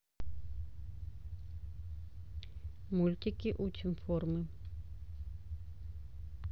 мультики учим формы